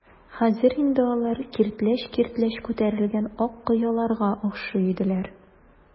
Хәзер инде алар киртләч-киртләч күтәрелгән ак кыяларга охшый иделәр.